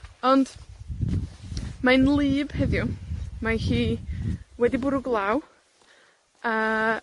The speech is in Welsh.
Ond mae'n wlyb heddiw. Mae hi wedi bwrw glaw, a,